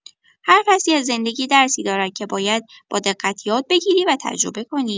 هر فصلی از زندگی درسی دارد که باید با دقت یاد بگیری و تجربه کنی.